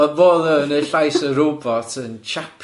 O'dd fo o'dd yn neud llais y robot yn Chappie.